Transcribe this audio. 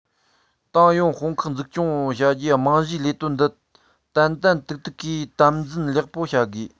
ཏང ཡོན དཔུང ཁག འཛུགས སྐྱོང བྱ རྒྱུའི རྨང གཞིའི ལས དོན འདི ཏན ཏན ཏིག ཏིག གིས དམ འཛིན ལེགས པར བྱ དགོས